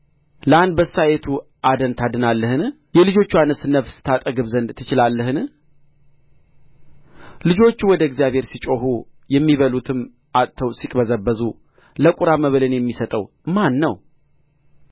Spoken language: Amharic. ለአንበሳይቱ አደን ታድናለህን የልጆችዋንስ ነፍስ ታጠግብ ዘንድ ትችላለህን ልጆቹ ወደ እግዚአብሔር ሲጮኹ የሚበሉትም አጥተው ሲቅበዘበዙ ለቍራ መብልን የሚሰጠው ማን ነው